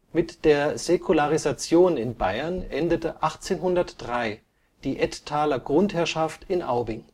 Mit der Säkularisation in Bayern endete 1803 die Ettaler Grundherrschaft in Aubing